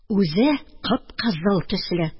Үзе кып-кызыл төсле.